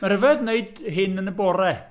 Mae rhyfedd wneud hyn yn y bore.